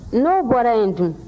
n'o bɔra yen dun